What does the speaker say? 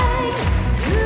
như